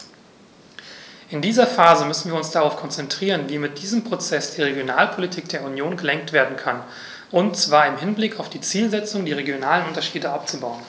In dieser Phase müssen wir uns darauf konzentrieren, wie mit diesem Prozess die Regionalpolitik der Union gelenkt werden kann, und zwar im Hinblick auf die Zielsetzung, die regionalen Unterschiede abzubauen.